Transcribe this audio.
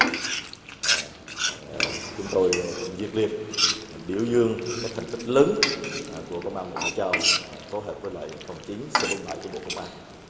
à chúng tôi cũng nhiệt liệt biểu dương thành tích lớn của công an quận hải châu phối hợp với lại không chín xê không bảy của bộ công an